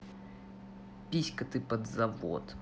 писька ты под завод